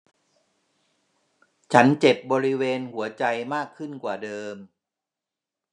ฉันเจ็บบริเวณหัวใจมากขึ้นกว่าเดิม